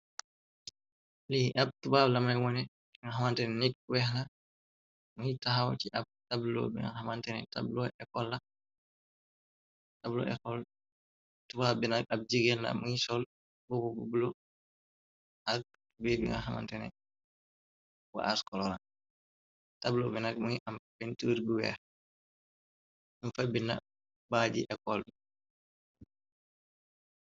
Lii ab tubaab lamay wone nga xamantene nik weexna. Muy taxaw ci ab tablo binga xamantene talo exo tubaa binag. Ab jigeen na miy sol bobu bublo ak b binga xamantene wu askororan. Tablo binag muy am pentur gueex ñu fay bina baaji ekol bi.